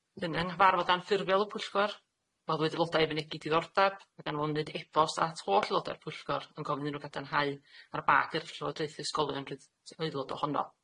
Wedyn yng nghyfarfod anffurfiol y pwyllgor gwahoddwyd aelodau i fynegi diddordab ag anfonwyd e-bost at holl aelodau'r pwyllgor yn gofyn iddyn nw gadarnhau ar ba gyrff llywodraethu ysgolion ryd- sy'n aelod ohono.